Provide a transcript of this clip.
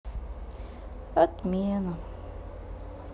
отмена